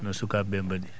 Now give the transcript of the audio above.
no sukaaɓe ɓee mbaɗi